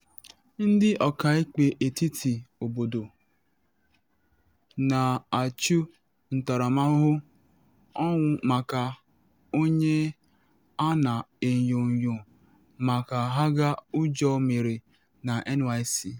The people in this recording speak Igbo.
Ndị ọkaikpe etiti obodo na achụ ntaramahụhụ ọnwụ maka onye a na enyo enyo maka agha ụjọ mere na NYC